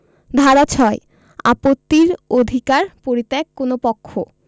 ধারা ৬ আপত্তির অধিকার পরিত্যাগ কোন পক্ষ